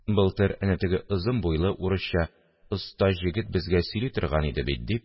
Былтыр әнә теге озын буйлы, урысча оста җегет безгә сөйли торган иде бит, – дип